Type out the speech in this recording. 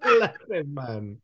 Bless him man.